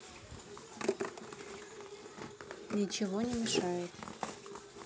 ничего не мешает